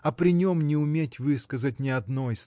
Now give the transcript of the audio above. а при нем не уметь высказать ни одной